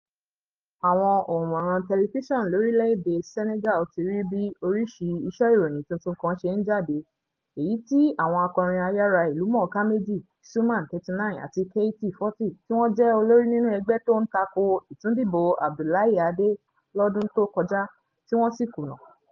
Àwọn òǹwòran tẹlifíṣọ̀n lórílẹ̀-èdè Senegal ti rí bí oríṣi iṣẹ́ ìròyìn tuntun kan ṣe ń jáde, èyí tí àwọn akọrin ayára ìlúmọ̀ọ́ká méjì, Xuman (39) àti Keyti (40), tí wọ́n jẹ́ olórí nínú ẹgbẹ́ tó ń tako ìtúndìbò Abdoulaye ade's lọ́dún tó kọjá, tí wọ́n sì kùnà.